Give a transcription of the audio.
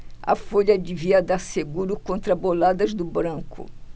a folha devia dar seguro contra boladas do branco